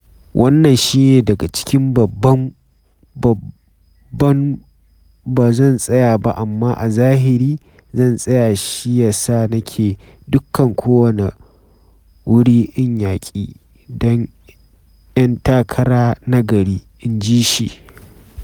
Wannan shi ne daga cikin babban, babban - Ba zan tsaya ba amma a zahiri zan tsaya shi ya sa nake dukkan kowane wuri ina yaƙi don ‘yan takara na gari,” inji shi.